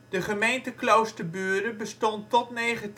De gemeente Kloosterburen bestond tot 1990